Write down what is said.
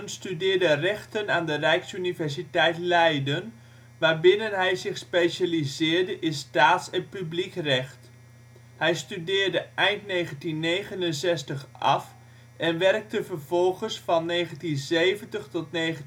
studeerde rechten aan de Rijksuniversiteit Leiden, waarbinnen hij zich specialiseerde in staats - en publiek recht. Hij studeerde eind 1969 af en werkte vervolgens van 1970 tot 1972